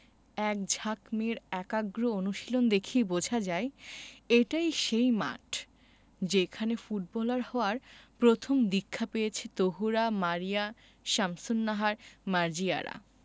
একঝাঁক মেয়ের একাগ্র অনুশীলন দেখেই বোঝা যায় এটাই সেই মাঠ যেখানে ফুটবলার হওয়ার প্রথম দীক্ষা পেয়েছে তহুরা মারিয়া শামসুন্নাহার মার্জিয়ারা